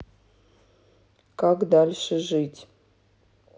как дальше жить